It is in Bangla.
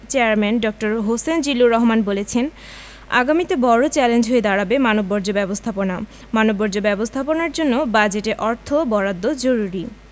চেয়ারম্যান ড.হোসেন জিল্লুর রহমান বলেছেন আগামীতে বড় চ্যালেঞ্জ হয়ে দাঁড়াবে মানববর্জ্য ব্যবস্থাপনা মানববর্জ্য ব্যবস্থাপনার জন্য বাজেটে অর্থ বরাদ্দ জরুরি